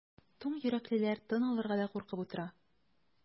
Туң йөрәклеләр тын алырга да куркып утыра.